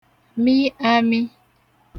mị āmī